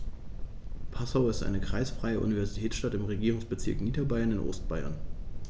Passau ist eine kreisfreie Universitätsstadt im Regierungsbezirk Niederbayern in Ostbayern.